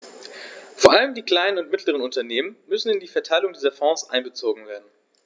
Vor allem die kleinen und mittleren Unternehmer müssen in die Verteilung dieser Fonds einbezogen werden.